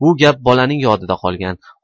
bu gap bolaning yodida qolgan